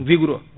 vireux